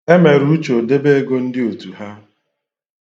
E mere Uche odebeego ndị otu ha.